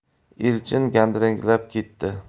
elchin gandiraklab ketdi